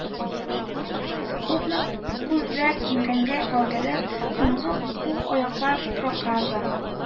Күпме күзләр, имгәнгән гәүдәләр, сынган кул-аяклар, проказа